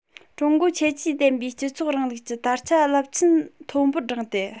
ཀྲུང གོའི ཁྱད ཆོས ལྡན པའི སྤྱི ཚོགས རིང ལུགས ཀྱི དར ཆ རླབས ཆེན མཐོན པོར སྒྲེང སྟེ